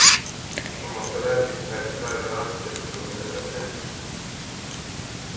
og mann skal heldur ikki taka skeivar avgerðir grundaðar á kenslur